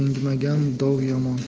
elanmagan dov yomon